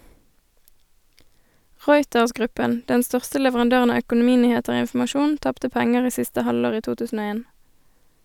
Reuters-gruppen, den største leverandøren av økonominyheter og informasjon, tapte penger i siste halvår i 2001.